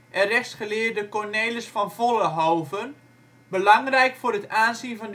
en rechtsgeleerde Cornelis van Vollenhoven belangrijk voor het aanzien